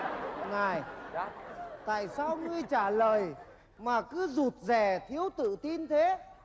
này tại sao ngươi trả lời mà cứ rụt rè thiếu tự tin thế